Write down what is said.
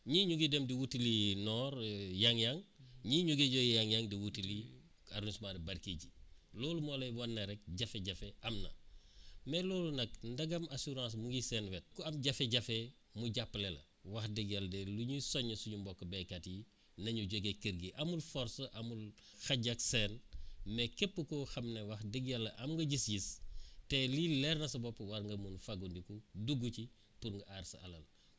ñii ñu ngi dem di wutali nord Yang-yang ñii ñu ngi jógee Yang-yang di wutali arrondissement de Barkedie loolu moo lay wan ne rek jafe-jafe am na mais loolu nag ndagam assurance mu ngi seen wet ku am jafe-jafe mu jàppale la wax dëgg yàlla de lu ñuy soññ suñu mbokku béykat yi nañu jógee kër gii amul force amul xàjj ak seen mais képp koo xam ne wax dëgg yàlla am nga gis-gis te lii leer na sa bopp war nga mun a fagandiku dugg ci pour mu aar sa alal